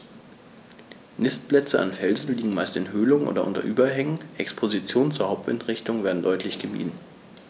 Nistplätze an Felsen liegen meist in Höhlungen oder unter Überhängen, Expositionen zur Hauptwindrichtung werden deutlich gemieden.